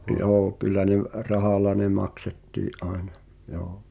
joo kyllä ne - rahalla ne maksettiin aina joo